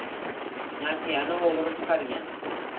nasiyani o'g'ri chiqargan